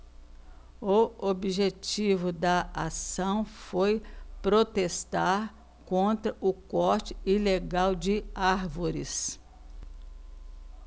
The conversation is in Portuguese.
o objetivo da ação foi protestar contra o corte ilegal de árvores